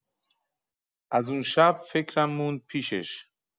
از اون شب فکرم موند پیشش.